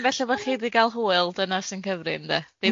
Cyn bellad bo' chi di gal hwyl, dyna sy'n cyfri ynde?